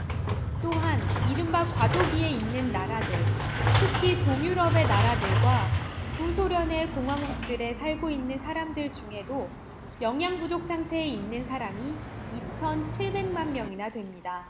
또한 이른바 과도기에 있는 나라들 특히 동유럽의 나라들과 구소련의 공화국들에 살고 있는 사람들 중에도 영양 부족 상태에 있는 사람이 이천 칠백 만 명이나 됩니다